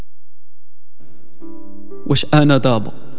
ايش انا ضابح